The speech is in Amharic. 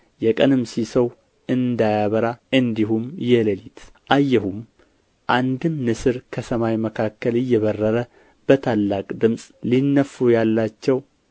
የቀንም ሲሶው እንዳያበራ እንዲሁም የሌሊት አየሁም አንድም ንስር በሰማይ መካከል እየበረረ በታላቅ ድምፅ ሊነፉ ያላቸው